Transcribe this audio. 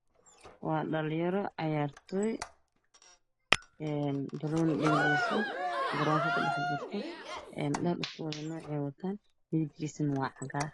Waaa dhalin yaro cayartoy ee banono dheeleso karonka ku dhaxjirto dhar isku wada nooc ah eey watan madab kisanah waa cagaar